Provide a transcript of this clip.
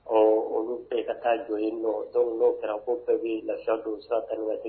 Ɔ olu bɛɛ ka taa jɔ ye dɔw dɔw kɛra ko bɛɛ bɛ la don sa tan